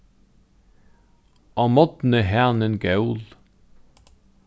á morgni hanin gól